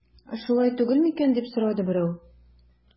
Шулай түгел микән дип сорады берәү.